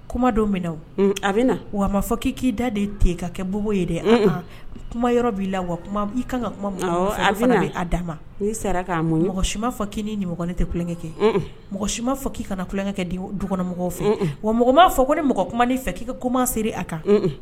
Kuma don mina a bɛna wa fɔ k' k'i da de te ka kɛ bɔ ye dɛ kuma yɔrɔ b'i la wa i kan ka kuma min'a ma sara mɔgɔ si fɔ k'i nimɔgɔ tɛ kukɛkɛ mɔgɔ si fɔ k'i ka kana kukɛ di dukɔnɔmɔgɔ fɛ wa mɔgɔma fɔ ko ne ni mɔgɔ kuma fɛ'i komaseere a kan